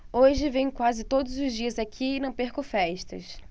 hoje venho quase todos os dias aqui e não perco festas